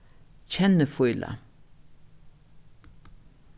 kennifíla